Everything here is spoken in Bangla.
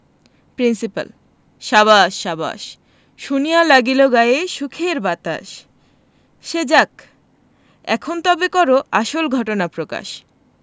প্রিন্সিপাল সাবাস সাবাস শুনিয়া লাগিল গায়ে সুখের বাতাস সে যাক এখন তবে করো আসল ঘটনা প্রকাশ